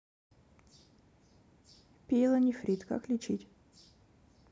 пиелонефрит как лечить